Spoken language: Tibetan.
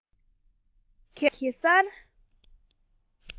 གལ སྲིད སློབ གྲྭའི ནང གེ སར